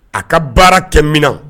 A ka baara kɛ min